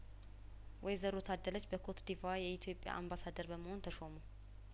ወይዘሮ ታደለች በኮትዲቯ የኢትዮጵያ አምባሳደር በመሆን ተሾሙ